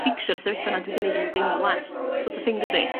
fficsio'r sefyllfa 'na dw i 'di neud i nw deimlo'n well so't of thing dydi?